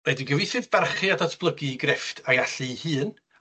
Rhaid i gyfieithydd barchu a datblygu 'i grefft a'i allu 'i hun.